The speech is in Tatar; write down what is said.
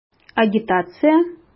Агитация?!